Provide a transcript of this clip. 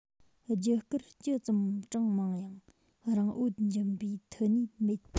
རྒྱུ སྐར ཇི ཙམ གྲངས མང ཡང རང འོད འབྱིན པའི མཐུ ནུས མེད